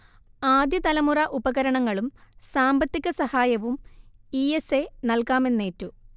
ആദ്യതലമുറ ഉപകരണങ്ങളും സാമ്പത്തികസഹായവും E S A നൽകാമെന്നേറ്റു